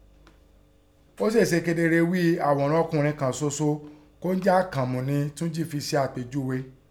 Ọ́ sèè ṣe kedere ghíi, àòrán ọkùnrin kàn soso kọ́ mí jẹ́ Àkànmú nẹ Túńjí fẹ sàpèjúe.